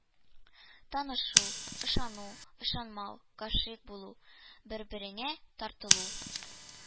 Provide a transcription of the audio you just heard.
Танышу, ышану, ышанмау, гашыйк булу, бербереңə тартылу